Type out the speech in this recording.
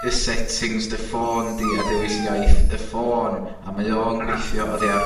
y settings dy ffôn di a dewis iaith y ffôn a mae ô'n... A. ...gweithio oddi ar